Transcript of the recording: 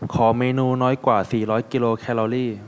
ขอเมนูน้อยกว่าสี่ร้อยกิโลแคลอรี่